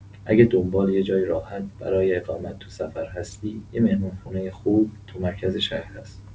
اگه دنبال یه جای راحت برای اقامت تو سفر هستی، یه مهمونخونه خوب تو مرکز شهر هست.